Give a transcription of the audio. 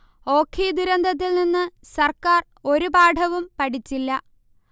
ഓഖി ദുരന്തത്തിൽ നിന്ന് സർക്കാർ ഒരു പാഠവും പടിച്ചില്ല